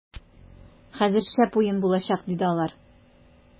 - хәзер шәп уен булачак, - диде алар.